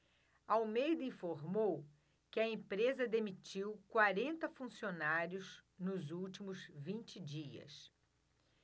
almeida informou que a empresa demitiu quarenta funcionários nos últimos vinte dias